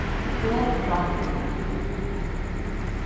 og prátið um menn